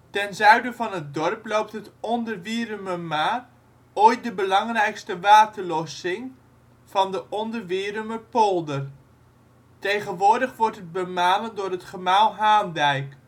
Ten zuiden van het dorp loopt het Onderwierumermaar, ooit de belangrijkste waterlossing van de Onderwierumerpolder. Tegenwoordig wordt het bemalen door het gemaal Haandijk